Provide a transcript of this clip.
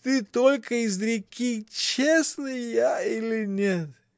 Ты только изреки — честный я или нет?